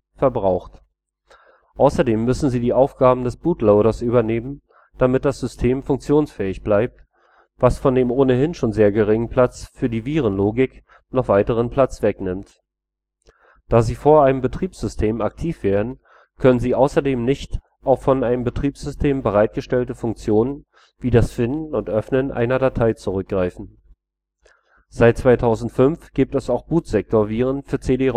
verbraucht. Außerdem müssen sie die Aufgaben des Boot-Loaders übernehmen, damit das System funktionsfähig bleibt, was von dem ohnehin schon sehr geringen Platz für die Virenlogik noch weiteren Platz wegnimmt. Da sie vor einem Betriebssystem aktiv werden, können sie außerdem nicht auf von einem Betriebssystem bereitgestellte Funktionen wie das Finden und Öffnen einer Datei zurückgreifen. Seit 2005 gibt es auch Bootsektorviren für CD-ROMs